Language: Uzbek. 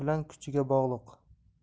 bilan kuchiga bog'liq